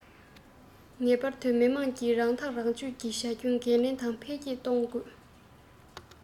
ངེས པར དུ མི དམངས ཀྱིས རང ཐག རང གཅོད བྱ རྒྱུ འགན ལེན དང འཕེལ རྒྱས གཏོང དགོས